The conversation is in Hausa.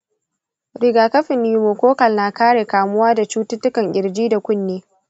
rigakafin pneumococcal na kare kamuwa da cututtukan kirji da kunne.